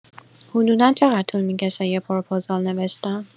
حدودا چقدر طول می‌کشه یه پروپوزال نوشتن؟